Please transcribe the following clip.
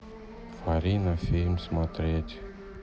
фарина фильм смотреть